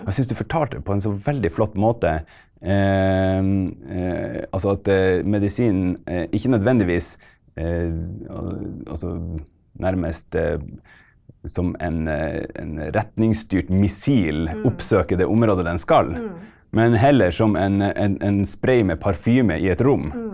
og jeg synes du fortalte det på en så veldig flott måte altså at medisinen ikke nødvendigvis altså nærmest som en en retningsstyrt missil oppsøker det området den skal, men heller som en en en spray med parfyme i et rom.